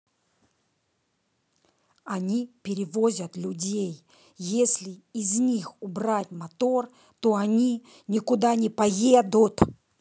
они перевозят людей если из них убрать мотор то они никуда не поедут